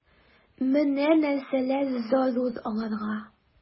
Менә нәрсәләр зарур аларга...